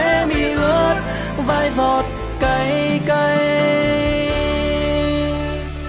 khóe mi ướt vài giọt cay cay